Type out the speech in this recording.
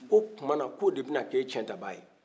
o tuma na ko o de bɛ na kɛ e tiɲɛ tabaa ye